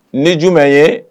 Ne j ye